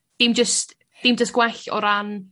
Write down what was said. Dim jyst dim jys gwell o ran